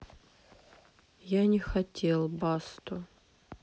я не хотел басту